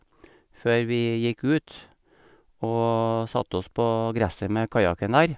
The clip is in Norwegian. Før vi gikk ut og satt oss på gresset med kajaken der.